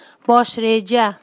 bosh reja